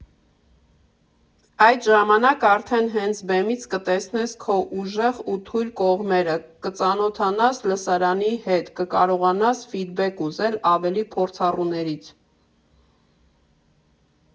Այդ ժամանակ արդեն հենց բեմից կտեսնես քո ուժեղ ու թույլ կողմերը, կծանոթանաս լսարանի հետ, կկարողանաս ֆիդբեք ուզել ավելի փորձառուներից։